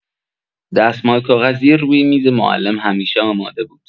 دستمال کاغذی روی میز معلم همیشه آماده بود.